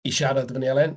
i siarad efo ni Elen.